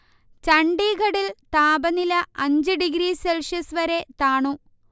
ചണ്ഡീഗഢിൽ താപനില അഞ്ച് degree Celsius വരെ താണു